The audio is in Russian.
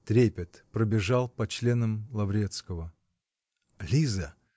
Трепет пробежал по членам Лаврецкого. -- Лиза!